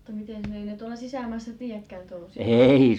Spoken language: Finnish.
mutta miten ne ei tuolla sisämaassa tiedäkään tuommoisista